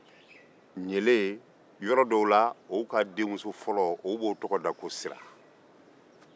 yɔrɔ dɔw b'u ka denmuso fɔlɔ tɔgɔ da ko sira